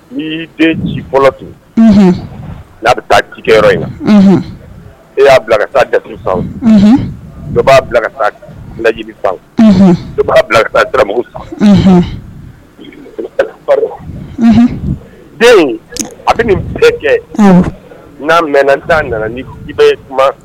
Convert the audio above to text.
Ni den n'a bɛ taa e y'a bila ka taa b'a bila ka taa laj fan dɔ b'a ka taam den a bɛ nin bɛɛ kɛ n'a mɛn n' nana ni i bɛ kuma